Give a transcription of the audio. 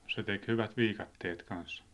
se teki hyvät viikatteet kanssa